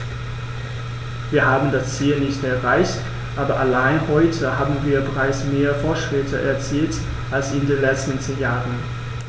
Wir haben das Ziel nicht erreicht, aber allein heute haben wir bereits mehr Fortschritte erzielt als in den letzten zehn Jahren.